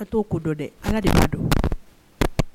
An t’o ko dɔn dɛ Ala de b’a dɔn